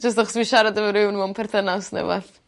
Jyst achos fi siarad efo rywun mewn perthynas ne' wbath.